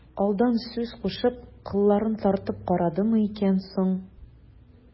Алдан сүз кушып, кылларын тартып карадымы икән соң...